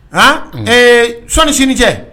A ee sɔɔni sinini cɛ